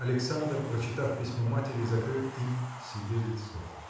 Александр, прочитав письмо матери, закрыл им себе лицо.